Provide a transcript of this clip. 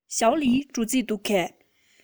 ཞའོ ལིའི འགྲོ རྩིས འདུག གས